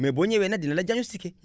mais boo ñëwee nag dina la diagnostiqué